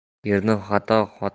erdan xato xotindan uzr